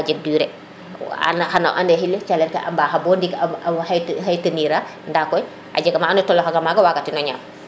ka jeg durer xano ande xile calel ke a mbaxa bo ndik oxey xey tenir a nda koy a jega ma ando naye a tolo xanga maga wagatino ñaam